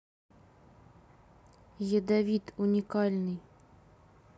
ядовит уникальной